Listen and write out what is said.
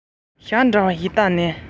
བཟུང ང གཉིས གྲོགས པོར གྱུར སོང